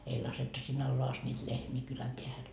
ei laskettu sinne alas asti niitä lehmiä kylän päähän